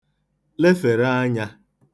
lefèrè anya